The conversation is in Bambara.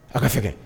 Aw ka sɛgɛn